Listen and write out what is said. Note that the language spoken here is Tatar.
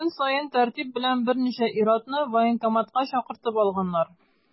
Көн саен тәртип белән берничә ир-атны военкоматка чакыртып алганнар.